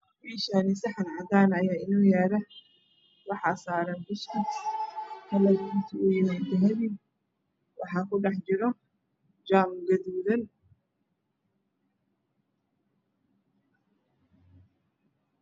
Meeshani saxan cadaan ah ayaaa inoo yaaalo waxaa saaran buskud kalarkisu u yahay dahabi waxaa kudhex jiro jaam gadudan